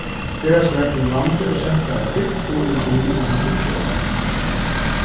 ferðast varð kring landið og sent varð av bygd og úr bý í eini tíggju ár